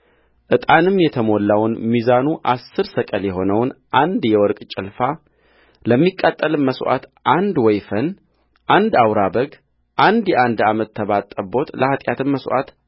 ዕጣንም የተሞላውን ሚዛኑ አሥር ሰቅል የሆነውን አንድ የወርቅ ጭልፋለሚቃጠልም መሥዋዕት አንድ ወይፈን አንድ አውራ በግ አንድ የአንድ ዓመት ተባት ጠቦትለኃጢአትም መሥዋዕት